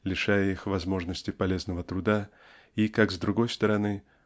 лишая их возможности полезного труда и как с другой стороны